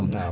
waaw